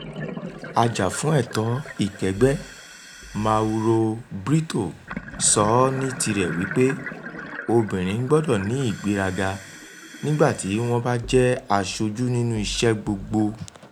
Àjàfúnẹ̀tọ́ ìkẹ́gbẹ́ Mauro Brito sọ ní tirẹ̀ wípé obìrin gbọ́dọ̀ ní ìgbéraga "nígbàtí wọ́n bá jẹ́ aṣojú nínú iṣẹ́ gbogbo":